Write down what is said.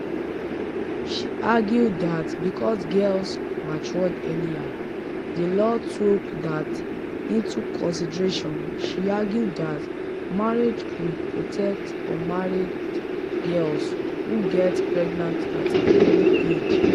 She argued that because girls matured earlier, the law took that into consideration. She argued that marriage could protect unmarried girls who get pregnant at an early age.